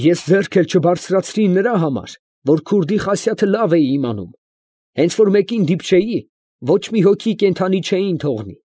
Ես ձեռք էլ չբարձրացրի, նրա համար, որ քուրդի խասյաթը լավ էի իմանում, հենց որ մեկին դիպչեի, ոչ մի հոգի կենդանի չէին թողնի։